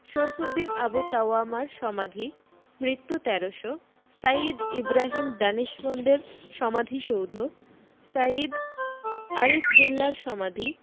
শরফুদ্দীন আবু তাওয়ামার সমাধি মৃত্যু ১৩০০ সাইয়্যিদ ইবরাহিম দানিশমন্দের সমাধিসৌধ সাইয়্যিদ আরিফ বিল্লাহর সমাধি